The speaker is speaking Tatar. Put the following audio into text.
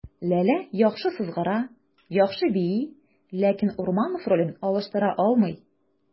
Ләлә яхшы сызгыра, яхшы бии, ләкин Урманов ролен алыштыра алмый.